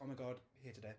Oh my god, hated it.